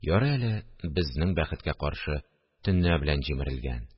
– ярый әле, безнең бәхеткә каршы, төнлә белән җимерелгән